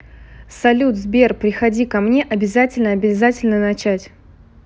салют сбер приходи ко мне обязательно обязательно начать